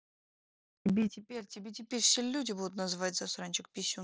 тебе теперь тебе теперь все люди будут называть засранчик писюн